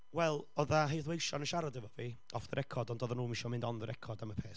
Wel, oedd 'na heddweision yn siarad efo fi off the record, ond doedden nhw ddim isio mynd on the record am y peth.